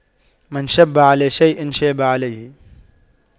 من شَبَّ على شيء شاب عليه